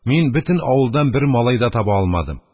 Мин бөтен авылдан бер малай да таба алмадым.